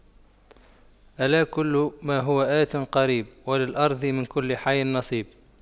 ألا كل ما هو آت قريب وللأرض من كل حي نصيب